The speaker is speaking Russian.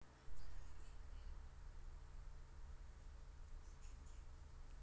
карусель как она называется веселая карусель да